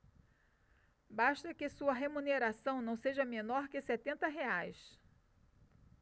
basta que sua remuneração não seja menor que setenta reais